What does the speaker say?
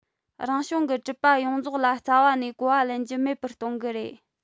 རང བྱུང གི གྲུབ པ ཡོངས རྫོགས ལ རྩ བ ནས གོ བ ལེན རྒྱུ མེད པར གཏོང གི རེད